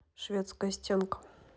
шведская стенка